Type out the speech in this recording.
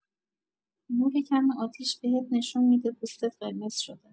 نور کم آتیش بهت نشون می‌ده پوستت قرمز شده.